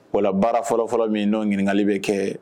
Wala baara fɔlɔfɔlɔ min n'o g ɲininkakali bɛ kɛ